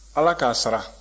ala k'a sara